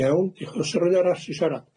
Iawn diolch. 'S'na rywun arall i siarad?